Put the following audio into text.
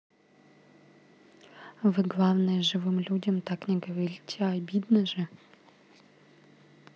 вы главное живым людям так не говорите а обидно же